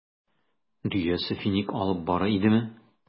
Дөясе финик алып бара идеме?